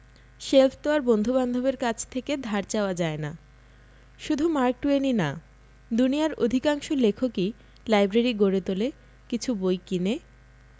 shelf তো আর বন্ধুবান্ধবের কাছ থেকে ধার চাওয়া যায় না শুধু মার্ক টুয়েনই না দুনিয়ার অধিকাংশ লেখকই লাইব্রেরি গড়ে তোলে কিছু বই কিনে